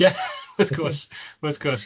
Ie wrth gwrs wrth gwrs.